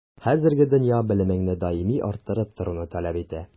Хәзерге дөнья белемеңне даими арттырып торуны таләп итә.